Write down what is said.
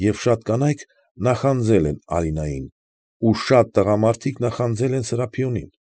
Եվ շատ կանայք նախանձել են Ալինային, ու շատ տղամարդիկ նախանձել են Սրափիոնին։